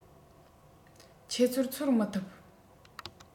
ཁྱེད ཚོར ཚོར མི ཐུབ